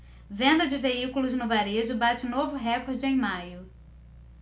venda de veículos no varejo bate novo recorde em maio